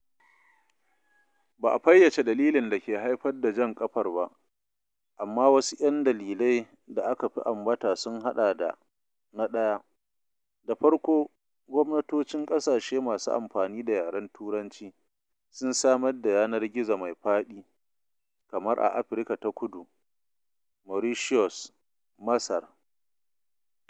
Ba a fayyace dalilan da ke haifar da jan ƙafar ba, amma wasu 'yan dalilai da aka fi ambata sun haɗa da: 1) da farko gwamnatocin ƙasashe masu amfani da yaren Turanci sun samar da yanar gizo mai faɗi, kamar a (Afirka ta Kudu, Mauritius, Masar).